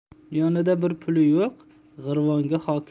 yonida bir puli yo'q g'irvonga hokim